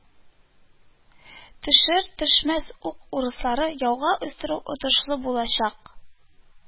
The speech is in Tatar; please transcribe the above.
Төшер-төшмәс үк урысларны яуга өстерү отышлы булачак